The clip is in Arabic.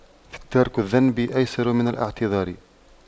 ترك الذنب أيسر من الاعتذار